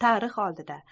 tarix oldida